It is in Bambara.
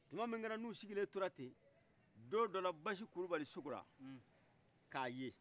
tuma min kɛra ni u sigilen tola ten don dɔ la basi kulubali sukora k' a ye